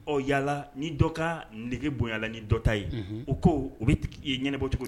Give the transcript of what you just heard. Ɔ yalala ni dɔ ka nɛgɛge bonla ni dɔ ta ye u ko u bɛ ɲɛnabɔ cogo